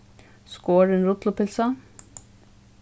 skorin rullupylsa